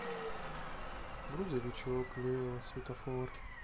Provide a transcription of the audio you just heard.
грузовичок лева светофор